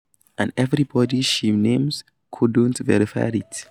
"And everybody she names couldn't verify it.